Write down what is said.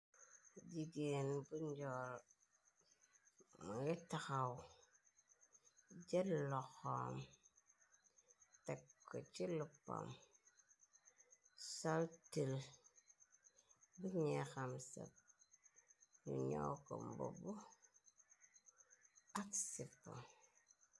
Jigéen bu njoor, ngi taxaw, jël laxoom tekko ci luppam, saltël biñi xam sab, ñu ñoo ko mbobb ak sip.